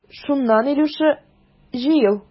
Шуннан, Илюша, җыел.